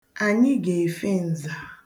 Anyị ga-efe nza.